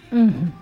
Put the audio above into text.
Un